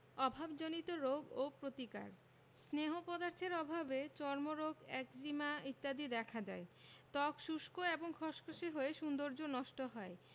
অভাবজনিত রোগ ও প্রতিকার স্নেহ পদার্থের অভাবে চর্মরোগ একজিমা ইত্যাদি দেখা দেয় ত্বক শুষ্ক এবং খসখসে হয়ে সৌন্দর্য নষ্ট হয়